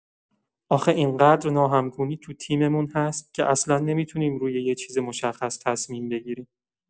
آخه اینقدر ناهمگونی تو تیممون هست که اصلا نمی‌تونیم روی یه چیز مشخص تصمیم بگیریم.